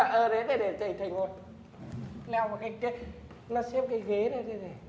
ờ ờ thế để thầy ngồi leo vào cái kia đứa nào xếp cái ghế này đây này